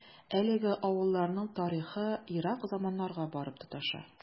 Әлеге авылларның тарихы ерак заманнарга барып тоташа.